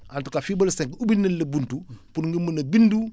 en tout cas fii ba le 5 ubbil nañ la buntu pour nga mun a bindu